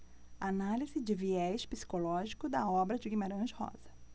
análise de viés psicológico da obra de guimarães rosa